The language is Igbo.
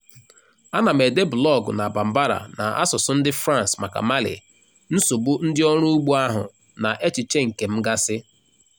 Ana m ede blọọgụ na Bambara na asụsụ ndị France maka Mali, nsogbu ndị ọrụ ugbo ahụ, na echiche nke m gasị.